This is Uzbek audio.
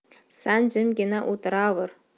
san jimgina o'tiravur